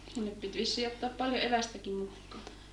sinne piti vissiin ottaa paljon evästäkin mukaan